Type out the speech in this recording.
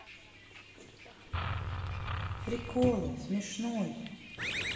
приколы смешной